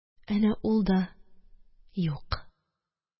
Әнә ул да юк...